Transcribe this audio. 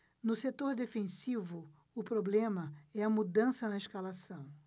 no setor defensivo o problema é a mudança na escalação